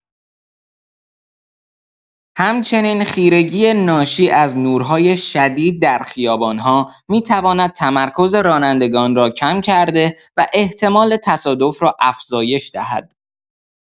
همچنین خیرگی ناشی از نورهای شدید در خیابان‌ها می‌تواند تمرکز رانندگان را کم کرده و احتمال تصادف را افزایش دهد.